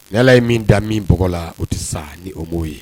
Ni ala ye min da min bɔgɔ la o tɛ sa ni o b'o ye